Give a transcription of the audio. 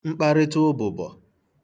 mkparịta ụbụ̀bọ̀